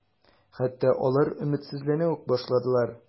Хәтта алар өметсезләнә үк башладылар.